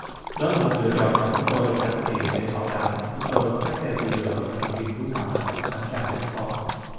đó là một lựa chọn mà chúng tôi phải thực hiện để bảo đảm chúng tôi có các xe chữa lửa và nhân viên cứu hỏa sẵn sàng để ứng phó